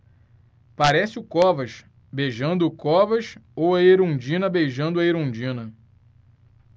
parece o covas beijando o covas ou a erundina beijando a erundina